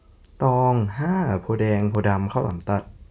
ตองห้าโพธิ์แดงโพธิ์ดำข้าวหลามตัด